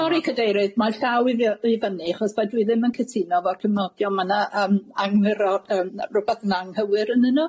Sori, Cadeirydd mae'r llaw i fy- i fyny achos dydw i ddim yn cytuno 'fo'r cofnodion. Ma' 'na yym anghyro- yym rwbath yn anghywir yn'yn nw.